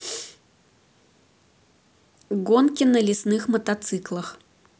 гонки на лесных мотоциклах